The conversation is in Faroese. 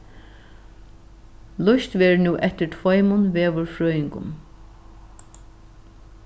lýst verður nú eftir tveimum veðurfrøðingum